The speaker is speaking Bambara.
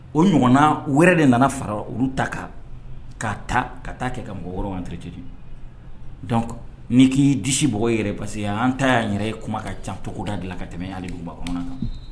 O ɲɔgɔnna wɛrɛ de nana fara olu ta kan ka ta ka ta kɛ ka mɔgɔ wɛrɛ terirete dɔnku n'i k'i disi b yɛrɛ basi an ta y'a yɛrɛ ye kuma ka ca cogoda dilan ka tɛmɛ hali ba bamanan kan